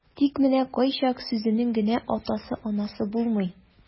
Тик менә кайчак сүзенең генә атасы-анасы булмый.